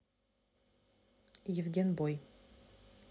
евген бой